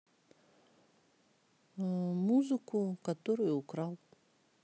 музыку которую украл